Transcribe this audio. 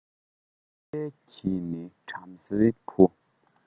འཕགས རྒྱལ གྱི ནི བྲམ ཟེའི བུ